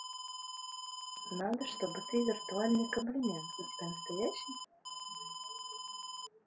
сбер надо что ты виртуальный комплимент у тебя настоящий